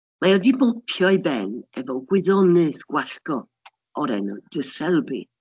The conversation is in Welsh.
Mae o 'di mopio ei ben efo gwyddoniaeth gwallgo o'r enw de Selby.